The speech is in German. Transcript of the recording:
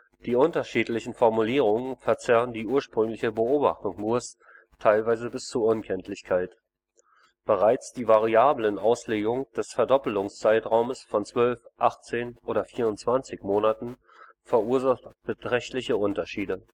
Die unterschiedlichen Formulierungen verzerren die ursprüngliche Beobachtung Moores teilweise bis zur Unkenntlichkeit. Bereits die variable Auslegung des Verdoppelungszeitraums von 12, 18 oder 24 Monaten verursacht beträchtliche Unterschiede